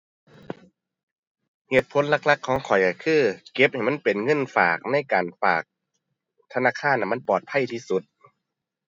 เหตุผลหลักหลักของข้อยก็คือเก็บให้มันเป็นเงินฝาก ในการฝากธนาคารน่ะ มันปลอดภัยที่สุด